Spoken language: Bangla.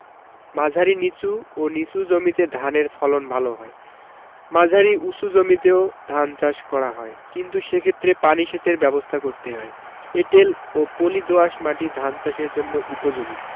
মাঝারি নিচু ও নিচু জমিতে ধানের ফলন ভালো হয় মাঝারি উচু জমিতেও ধান চাষ করা হয় কিন্তু সেক্ষেত্রে পানি সেচের ব্যাবস্থা করতে হয় এঁটেল ও পলি দোআঁশ মাটি ধান চাষের জন্য উপযোগী